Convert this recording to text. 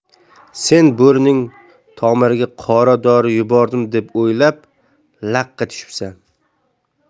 sen bo'rining tomiriga qora dori yubordim deb o'ylab laqqa tushibsan